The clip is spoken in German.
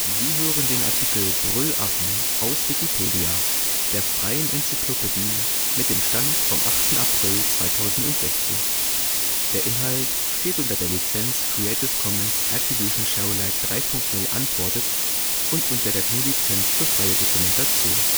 Sie hören den Artikel Brüllaffen, aus Wikipedia, der freien Enzyklopädie. Mit dem Stand vom Der Inhalt steht unter der Lizenz Creative Commons Attribution Share Alike 3 Punkt 0 Unported und unter der GNU Lizenz für freie Dokumentation